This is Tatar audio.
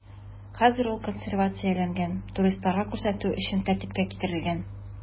Хәзер ул консервацияләнгән, туристларга күрсәтү өчен тәртипкә китерелгән.